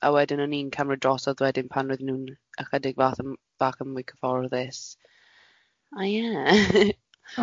A wedyn o'n i'n cymryd drosodd wedyn pan oedden nhw'n ychydig fath yym bach yn mwy cyfforddus. O ie.